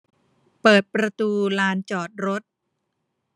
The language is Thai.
เปิดประตูลานจอดรถ